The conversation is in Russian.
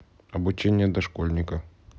обучение дошкольника